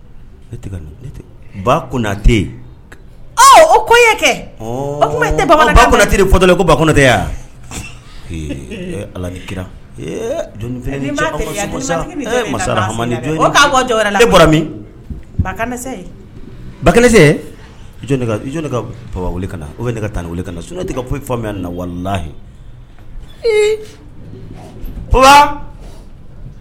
Batɛ okɛ netɛ ko batɛ ala kira masa bɔra min ba ba ka kana o ne ka tan wili kana sunjata ne tɛ ka p faamuyaya nana walilayiba